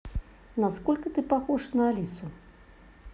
насколько ты похожа на алису